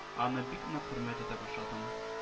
Аны бик нык хөрмәт итә башладым